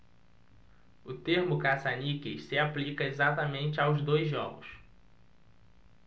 o termo caça-níqueis se aplica exatamente aos dois jogos